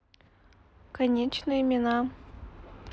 конечно имена